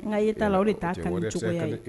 N ka e t ta la o de t taa tan cogoya